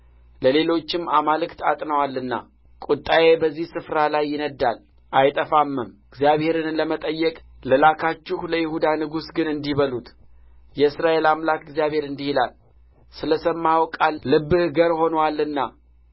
ለሌሎችም አማልክት ዐጥነዋልና ቍጣዬ በዚህ ስፍራ ላይ ይነድዳል አይጠፋምም እግዚአብሔርን ለመጠየቅ ለላካችሁ ለይሁዳ ንጉሥ ግን እንዲህ በሉት የእስራኤል አምላክ እግዚአብሔር እንዲህ ይላል ስለ ሰማኸው ቃል ልብህ ገር ሆኖአልና